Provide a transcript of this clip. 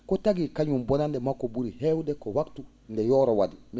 ko tagi kañum bonande makko ?uri heewde ko waktu nde yooro wa?i